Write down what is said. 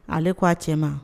Ale k' aa cɛ ma